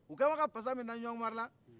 u kɛlen bɛ ka pasa min da ɲɔngɔn mari la